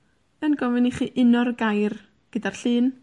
yn gofyn i chi uno'r gair, gyda'r llun,